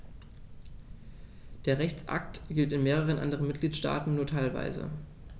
Der Rechtsakt gilt in mehreren anderen Mitgliedstaaten nur teilweise.